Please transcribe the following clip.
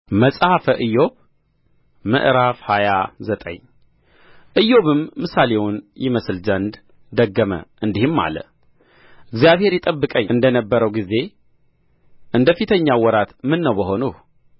መጽሐፈ ኢዮብ ምዕራፍ ሃያ ዘጠኝ ኢዮብም ምሳሌውን ይመስል ዘንድ ደገመ እንዲህም አለ እግዚአብሔር ይጠብቀኝ እንደ ነበረው ጊዜ እንደ ፊተኛው ወራት ምነው በሆንሁ